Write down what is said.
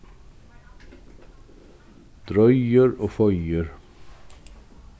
droyur og foyur